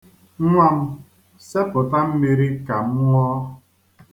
Nwa m, sepụta mmiri ka m ṅụọ.